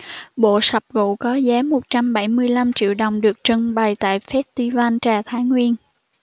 bộ sập gụ có giá một trăm bảy mươi lăm triệu đồng được trưng bày tại festival trà thái nguyên